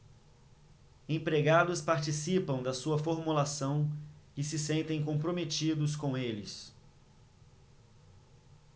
empregados participam da sua formulação e se sentem comprometidos com eles